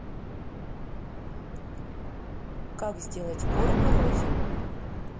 как сделать корни розе